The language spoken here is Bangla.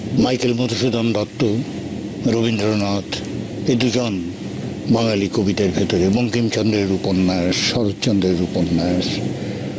মাইকেল মধুসূদন দত্ত রবীন্দ্রনাথ এ দুজন বাঙালি কবি দের ভিতর বঙ্কিমচন্দ্রের উপন্যাস শরৎচন্দ্রের উপন্যাস